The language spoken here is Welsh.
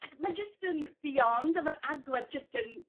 ag ma'n jyst yn beyond a ma'r agwedd jyst yn